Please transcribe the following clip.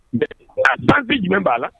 Mɛ a jumɛn b'a la